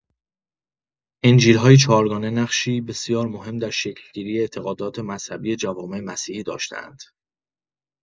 انجیل‌های چهارگانه نقشی بسیار مهم در شکل‌گیری اعتقادات مذهبی جوامع مسیحی داشته‌اند.